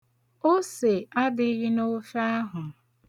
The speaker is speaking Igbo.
Ose adịghị n'ofe ahụ.